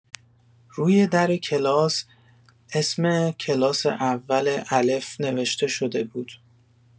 روی در کلاس اسم کلاس اول-الف نوشته شده بود.